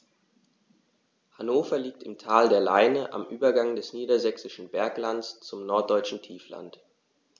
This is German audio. Hannover liegt im Tal der Leine am Übergang des Niedersächsischen Berglands zum Norddeutschen Tiefland.